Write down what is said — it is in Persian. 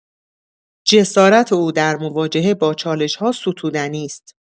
جسارت او در مواجهه با چالش‌ها ستودنی است.